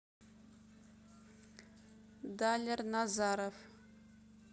daler nazarov